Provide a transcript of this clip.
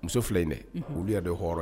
Muso filɛ nin ye,. Unhun! Olu yɛrɛ de ye hɔrɔn.